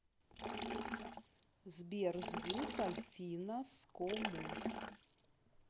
сбер звук альфина скому